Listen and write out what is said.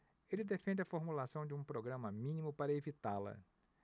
ele defende a formulação de um programa mínimo para evitá-la